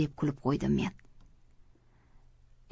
deb kulib qo'ydim men